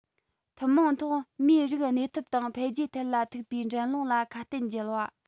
ཐུན མོང ཐོག མིའི རིགས གནས ཐབས དང འཕེལ རྒྱས ཐད ལ ཐུག པའི འགྲན སློང ལ ཁ གཏད འཇལ བ